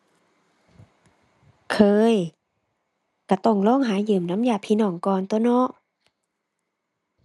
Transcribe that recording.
เคย ก็ต้องลองหายืมนำญาติพี่น้องก่อนตั่วเนาะ